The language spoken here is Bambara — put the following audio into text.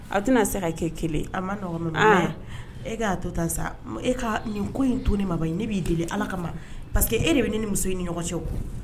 A tɛna se ka kɛ kelen a ma min e ka'a to ta sa e ka nin ko in to ni mabɔ ne b'i deli ala kama paseke que e de bɛ ne ni muso in ni ɲɔgɔn cɛ